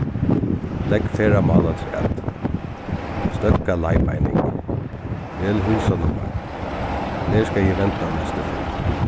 legg ferðamál afturat støðga leiðbeining vel húsanummar nær skal eg venda næstu ferð